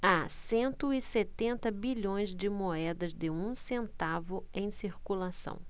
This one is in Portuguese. há cento e setenta bilhões de moedas de um centavo em circulação